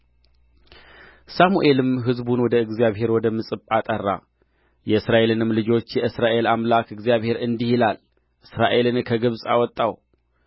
ሳሙኤልም ሕዝቡን ወደ እግዚአብሔር ወደ ምጽጳ ጠራ የእስራኤልንም ልጆች የእስራኤል አምላክ እግዚአብሔር እንዲህ ይላል እስራኤልን ከግብጽ አወጣሁ